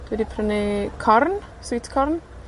Dwi 'di prynu corn. Sweet corn.